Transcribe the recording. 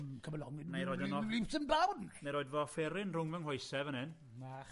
mm come along leaps and bounds. Wnai roid fy offeryn rhwng fy nghoese fan 'yn.